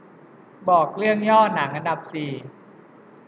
บอกเรื่องย่อหนังอันดับสี่